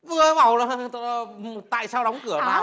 vừa mới bảo là tại sao đóng cửa